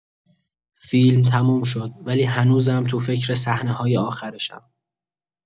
فیلم تموم شد، ولی هنوزم تو فکر صحنه‌های آخرشم.